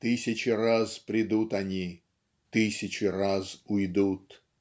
тысячи раз придут они, тысячи раз уйдут".